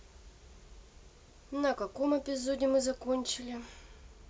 на каком эпизоде мы закончили